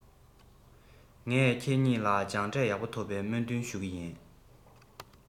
ངས ཁྱེད གཉིས ལ སྦྱངས འབྲས ཡག པོ ཐོབ པའི སྨོན འདུན ཞུ གི ཡིན